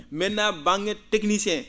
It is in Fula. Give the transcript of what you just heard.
maintenant ba?nge technicien